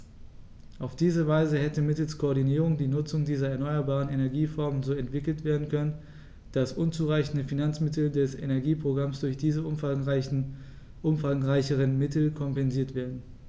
Auf diese Weise hätte mittels Koordinierung die Nutzung dieser erneuerbaren Energieformen so entwickelt werden können, dass unzureichende Finanzmittel des Energieprogramms durch diese umfangreicheren Mittel kompensiert werden.